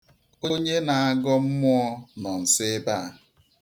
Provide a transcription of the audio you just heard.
Onye na-agọ mmụọ a nọ nso ebe a.